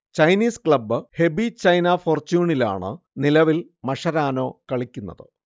Chinese club Hebei China ഫോർച്യുണിലാണ് നിലവിൽ Mascherano കളിക്കുന്നത്